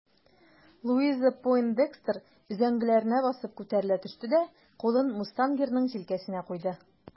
Луиза Пойндекстер өзәңгеләренә басып күтәрелә төште дә кулын мустангерның җилкәсенә куйды.